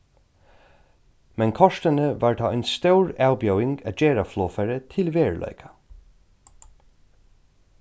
men kortini var tað ein stór avbjóðing at gera flogfarið til veruleika